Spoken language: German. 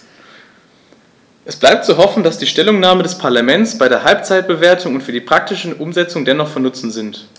Es bleibt zu hoffen, dass die Stellungnahmen des Parlaments bei der Halbzeitbewertung und für die praktische Umsetzung dennoch von Nutzen sind.